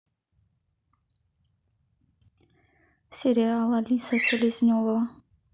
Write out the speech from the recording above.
сериалы алиса селезнева